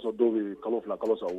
Sinon Dɔw bɛ yen kalo 2 kalo 3 bɛ